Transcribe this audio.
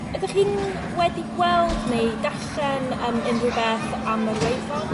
Ydych chi'n wedi gweld neu darllen yym unryw rhywbeth am yr wefan?